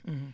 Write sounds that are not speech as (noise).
(hesitation) (hesitation)